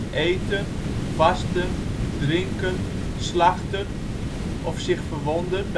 eten, vasten, drinken, slachten, zich verwonden